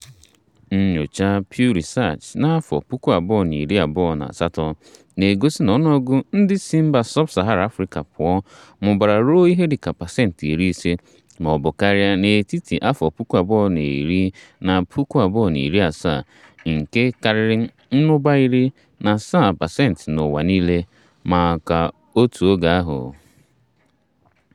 "Nnyocha Pew Research n'afọ puku abụọ na iri abụọ na asatọ na-egosi na ọnụọgụgụ ndị si mba sub-Sahara Afrịka pụọ "mụbara ruo ihe dịka pasenti iri ise mọọbụ karịa n'etiti afọ puku abụọ na iri na puku abụọ na asaa, nke karịrị mmụba iri na asaa pasenti n'ụwa niile maka otu oge ahụ."